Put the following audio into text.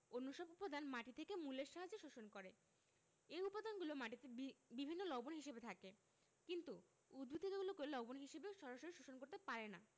অন্যসব উপাদান মাটি থেকে মূলের সাহায্যে শোষণ করে এ উপাদানগুলো মাটিতে বি বিভিন্ন লবণ হিসেবে থাকে কিন্তু উদ্ভিদ এগুলোকে লবণ হিসেবে সরাসরি শোষণ করতে পারে না